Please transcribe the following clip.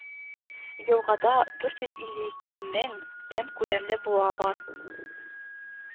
Елгада дүрт йөз илле ике мең эм күләмле буа бар